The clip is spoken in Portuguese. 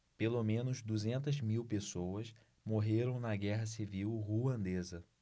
pelo menos duzentas mil pessoas morreram na guerra civil ruandesa